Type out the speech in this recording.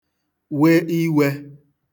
we iwē